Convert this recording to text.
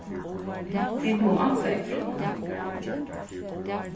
vit mugu ansa eftir okkum